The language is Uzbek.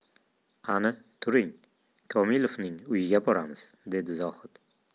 qani turing komilovning uyiga boramiz dedi zohid